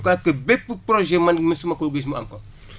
je crois que bépp projet man mosuma ko gis mu am ko